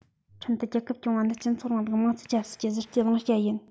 ཁྲིམས ལྟར རྒྱལ ཁབ སྐྱོང བ ནི སྤྱི ཚོགས རིང ལུགས ཀྱི དམངས གཙོའི ཆབ སྲིད ཀྱི གཞི རྩའི བླང བྱ ཡིན